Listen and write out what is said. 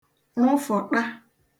rụfụ̀ṭa